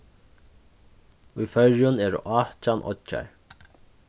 í føroyum eru átjan oyggjar